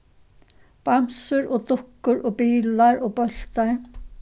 bamsur og dukkur og bilar og bóltar